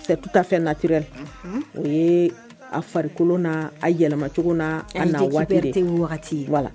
Cɛ futata fɛn nati u ye a farikolokolo na a yɛlɛmacogo na a waati tɛwa la